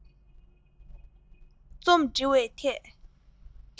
རྩོམ འབྲི བའི ཐད